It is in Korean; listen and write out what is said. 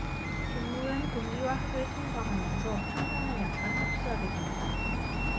빗물은 공기와 흙을 통과하면서 탄산을 약간 흡수하게 됩니다